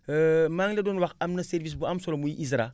maa ngi la doon wax am na service bu am solo muy ISRA